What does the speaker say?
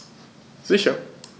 Sicher.